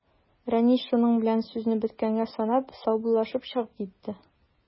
Рәнис, шуның белән сүзне беткәнгә санап, саубуллашып чыгып китте.